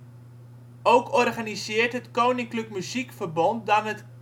organiseert het Koninklijk Muziekverbond dan het